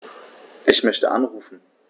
Ich möchte anrufen.